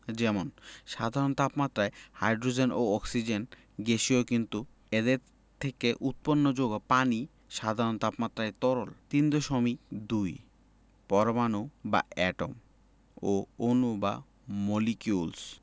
যেমন সাধারণ তাপমাত্রায় হাইড্রোজেন ও অক্সিজেন গ্যাসীয় কিন্তু এদের থেকে উৎপন্ন যৌগ পানি সাধারণ তাপমাত্রায় তরল 3.2 পরমাণু বা Atomও অণু বা Molecules